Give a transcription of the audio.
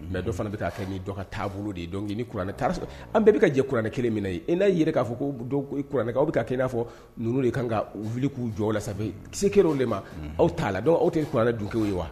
Mɛ dɔw fana bɛ' kɛ n' ka taabolo de ye kuranɛ taara an bɛɛ bɛ ka jɛ kuranɛ kelen minɛ na i n'a ye k'a fɔ ko kuranɛkaw bɛ ka kɛ i n'a fɔ ninnu de kan ka wuli k'u jɔ la sabu ki se kelenw de ma aw t'a la dɔn aw tɛ kuranɛ dunkew ye wa